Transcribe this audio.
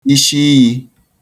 ishi iyī